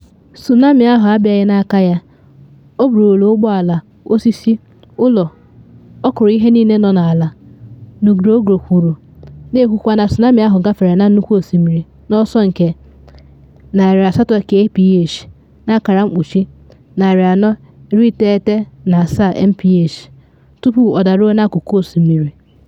“Tsunami ahụ abịaghị n’aka ya, o burulu ụgbọ ala, osisi, ụlọ, ọ kụrụ ihe niile nọ n’ala,” Nugroho kwuru, na ekwukwa na tsunami ahụ gafere na nnukwu osimiri n’ọsọ nke 800 kph (497 mph) tupu o daruo n’akụkụ osimiri.